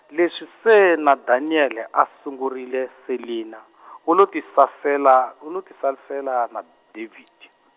leswi se na Daniel a a sungurile Selinah , u lo tisalela, u lo tisalela na David.